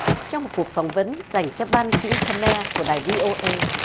trong một cuộc phỏng vấn dành cho ban tiếng khơ me của đài vi iu ây